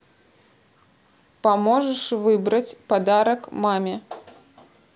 поможешь выбрать подарок маме